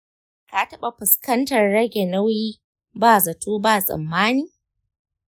ka taba fuskantar rage nauyi ba zato ba tsammani?